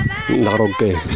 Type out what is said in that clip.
ndax roog kay